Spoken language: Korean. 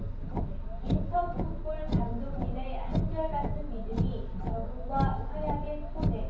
인터풋볼 감독님의 한결 같은 믿음이 적응과 활약의 토대